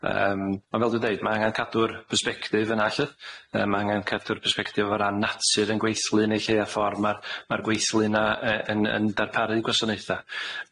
Yym on' fel dwi'n deud ma' angen cadw'r persbectif yna 'lly yy, ma' angen cadw'r persbectif o ran natur yn gweithlu ni lly a ffor ma'r ma'r gweithlu 'na yy yn yn darparu gwasanaetha.